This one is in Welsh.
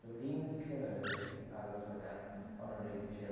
So wedd un llinynnau 'da fi ar y nos Wener... mhm... ond yn rili chill.